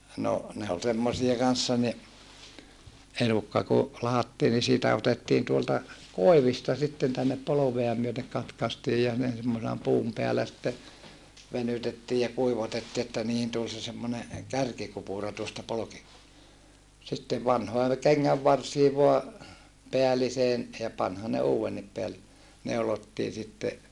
no ne oli semmoisia kanssa niin elukka kun lahdattiin niin siitä otettiin tuolta koivista sitten tänne polvea myöten katkaistiin ja ne semmoisena puun päällä sitten venytettiin ja kuivatettiin että niihin tuli se semmoinen kärkikupura tuosta - sitten vanhoihin kengänvarsiin vain päälliseen ja panihan ne uudenkin - neulottiin sitten